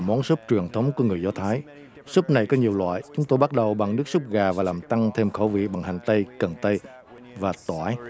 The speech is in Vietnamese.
món súp truyền thống của người do thái súp này có nhiều loại chúng tôi bắt đầu bằng nước súp gà và làm tăng thêm khẩu vị bằng hành tây cần tây và tỏi